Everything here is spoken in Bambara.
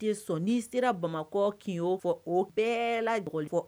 Sɔn n'i sera bamakɔ' y'o fɔ o bɛɛ la fɔ